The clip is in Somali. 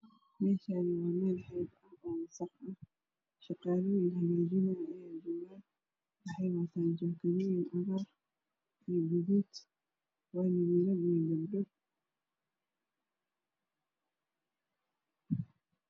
Meeshaan waa meel hool ah oo sar ah shaqaalooyin hagaajinaayaan waxay wataan jaakado cagaar iyo gaduud ah waana wiilal iyo gabdho.